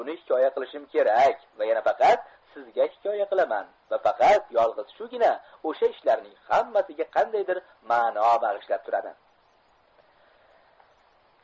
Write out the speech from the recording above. buni hikoya qilishim kerak va yana faqat sizga hikoya qilaman va faqat yolg'iz shugina o'sha ishlarning hammasiga qandaydir mano bag'ishlab turadi